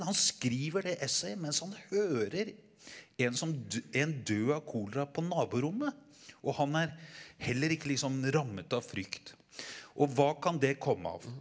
han skriver det essayet mens han hører en som en dø av kolera på naborommet og han er heller ikke liksom rammet av frykt og hva kan det komme av?